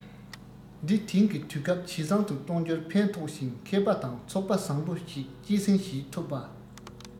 འདི དེང གི དུས སྐབས ཇེ བཟང དུ གཏོང རྒྱུར ཕན ཐོགས ཤིང མཁས པ དང ཚོགས པ བཟང བོ ཞིག སྐྱེད སྲིང བྱེད ཐུབ པ